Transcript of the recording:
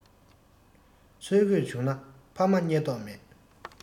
འཚོལ དགོས བྱུང ན ཕ མ རྙེད མདོག མེད